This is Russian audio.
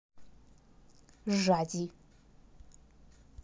жади